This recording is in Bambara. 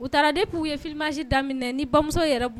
U taara de k'u ye fililimasi da minɛ ni ba yɛrɛ bɔ